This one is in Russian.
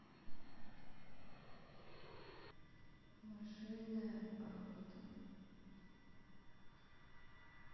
мышиная охота